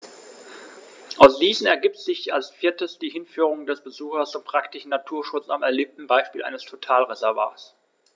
Aus diesen ergibt sich als viertes die Hinführung des Besuchers zum praktischen Naturschutz am erlebten Beispiel eines Totalreservats.